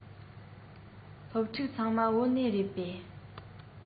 སློབ ཕྲུག ཚང མ བོད ནས རེད པས